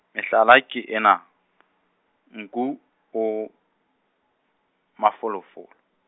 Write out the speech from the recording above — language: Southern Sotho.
mehlala ke ena , nku o mafolofolo.